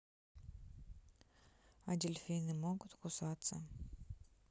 а дельфины могут кусаться